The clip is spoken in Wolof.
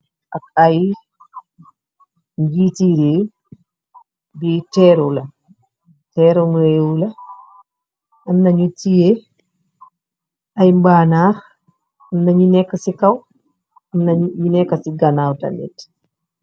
Ak ay njiitiireew bi teeru la teerumréewu la amnañu tiye ay mbaanaax mnañu nekk ci kaw mna ñu nekk ci ganaaw tamit.